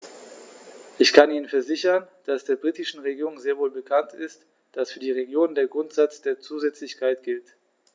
Ich kann Ihnen versichern, dass der britischen Regierung sehr wohl bekannt ist, dass für die Regionen der Grundsatz der Zusätzlichkeit gilt.